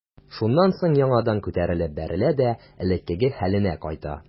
Шуннан соң яңадан күтәрелеп бәрелә дә элеккеге хәленә кайта.